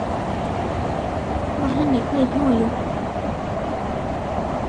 บ่ทันได้เคยโทรอยู่